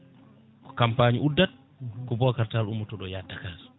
ko campagne uddat ko Bocar Tall ummotoɗo yaa Dakar